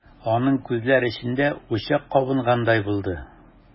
Аның күзләр эчендә учак кабынгандай булды.